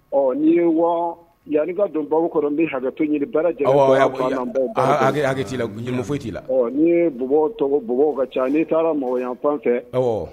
Ɔ n'i ye wa yanli ka don mabɔ kɔrɔ n bɛ hakɛto ɲini balajɛ hakɛki t' la foyi t'i la ni ye ka ca n'i taara mɔgɔ yan fan fɛ